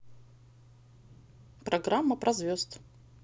программа про звезд